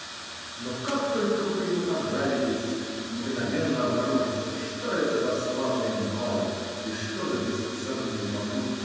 Но как только вы ему понравитесь, мгновенно обнаружится, что это за славный малый и что за бесценный попутчик.